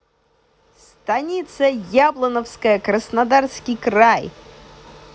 станица яблоновская краснодарский край